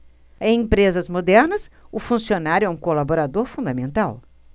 em empresas modernas o funcionário é um colaborador fundamental